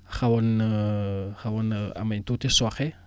xawoon na xawoon na ame tuuti sooxe